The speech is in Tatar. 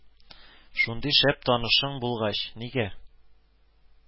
Шундый шәп танышың булгач, нигә